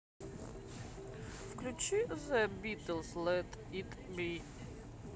включи зе битлз лет ит би